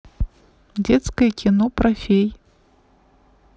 детское кино про фей